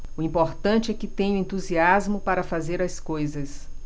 o importante é que tenho entusiasmo para fazer as coisas